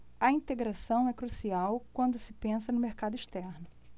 a integração é crucial quando se pensa no mercado externo